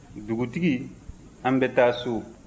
dugutigi an bɛ taa so